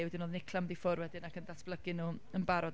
A wedyn oedd Nicola’n mynd i ffwrdd wedyn ac yn datblygu nhw, yn barod...